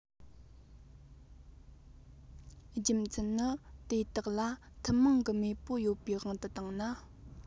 རྒྱུ མཚན ནི དེ དག ལ ཐུན མོང གི མེས པོ ཡོད པའི དབང དུ བཏང ན